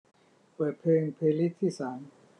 เปิดเพลงเพลย์ลิสต์ที่สาม